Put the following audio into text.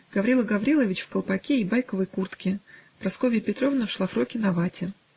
Гаврила Гаврилович в колпаке и байковой куртке, Прасковья Петровна в шлафорке на вате.